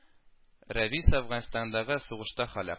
Рәвис Әфганстандагы сугышта һәлак